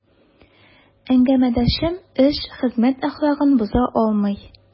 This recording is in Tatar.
Әңгәмәдәшебез эш, хезмәт әхлагын боза алмый.